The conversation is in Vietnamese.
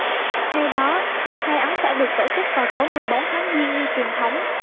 theo đó lễ khai ấn sẽ được tổ chức vào tối mười bốn tháng giêng như truyền thống